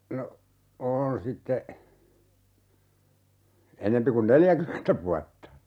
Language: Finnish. no on sitten enempi kuin neljäkymmentä vuotta